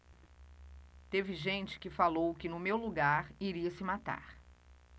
teve gente que falou que no meu lugar iria se matar